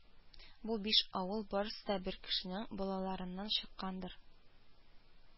Бу биш авыл барысы да бер кешенең балаларыннан чыккандыр